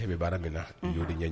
E bɛ baara min na unhun o be be ɲɛ